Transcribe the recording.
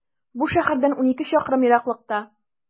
Бу шәһәрдән унике чакрым ераклыкта.